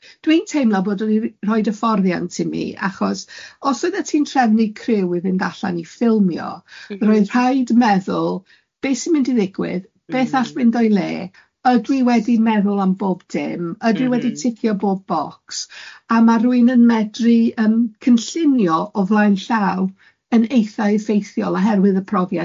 Dwi'n teimlo bod o'n i'n rhoid hyfforddiant i mi achos os oeddet ti'n trefnu criw i fynd allan i ffilmio, roedd rhaid meddwl beth sy'n mynd i ddigwydd, beth all mynd o'i le, ydw i wedi meddwl am bob dim, ydw i wedi ticio bob bocs, a ma' rywun yn medru yym cynllunio o flaen llaw yn eitha effeithiol oherwydd y profiad yna.